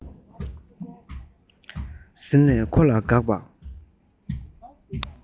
ཟེར ནས ཁོ ལ དགག པ